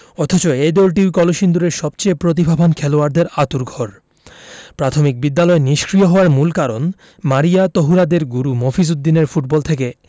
অথচ এই দলটিই কলসিন্দুরের সবচেয়ে প্রতিভাবান খেলোয়াড়দের আঁতুড়ঘর প্রাথমিক বিদ্যালয় নিষ্ক্রিয় হওয়ার মূল কারণ মারিয়া তহুরাদের গুরু মফিজ উদ্দিনের ফুটবল থেকে